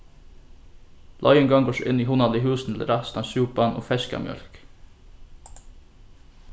leiðin gongur so inn í hugnaligu húsini til ræsta súpan og feska mjólk